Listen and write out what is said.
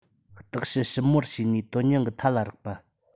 བརྟག དཔྱད ཞིབ མོར བྱས ནས དོན སྙིང གི མཐའ ལ རེག པ